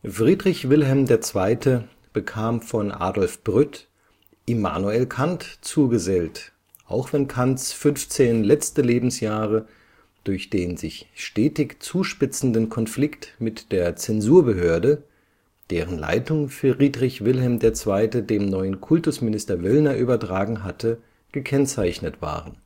Friedrich Wilhelm II. bekam von Adolf Brütt Immanuel Kant zugesellt, auch wenn Kants 15 letzte Lebensjahre durch den sich stetig zuspitzenden Konflikt mit der Zensurbehörde, deren Leitung Friedrich Wilhelm II. dem neuen Kultusminister Wöllner übertragen hatte, gekennzeichnet waren